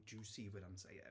Do you see what I'm saying?